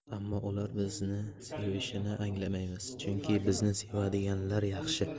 ammo ular bizni sevishini anglamaymiz chunki bizni sevadiganlar yaxshi